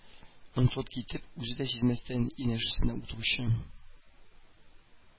Онытылып китеп, үзе дә сизмәстән, янәшәсенә утыручы